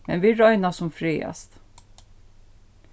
men vit royna sum frægast